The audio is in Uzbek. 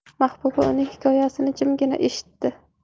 mahbuba uning hikoyasini jimgina eshitdi